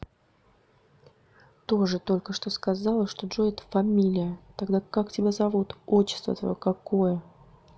тоже только что сказала что джой это фамилия тогда как тебя зовут отчество твое какое